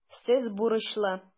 Сез бурычлы.